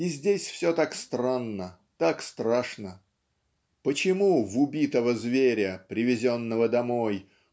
И здесь все так странно, так страшно почему в убитого зверя привезенного домой